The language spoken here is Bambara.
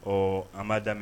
Ɔɔ an b'a daminɛ